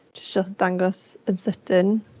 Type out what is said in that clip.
Dwi isio dangos yn sydyn.